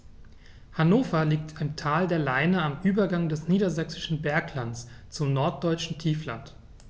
Hannover liegt im Tal der Leine am Übergang des Niedersächsischen Berglands zum Norddeutschen Tiefland.